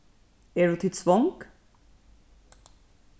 eru tit svong